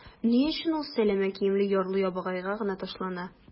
Ни өчен ул сәләмә киемле ярлы-ябагайга гына ташлана?